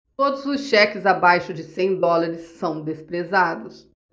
todos os cheques abaixo de cem dólares são desprezados